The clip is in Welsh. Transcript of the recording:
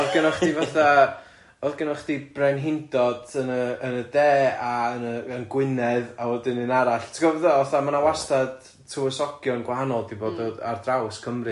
Oedd gynnoch chdi fatha oedd gynnoch chdi brenhindod yn y yn y de a yn y yn Gwynedd a wedyn un arall ti'n gwybod be dwi'n feddwl fatha ma' na wastad tywysogion gwahanol 'di bod ar draws Cymru,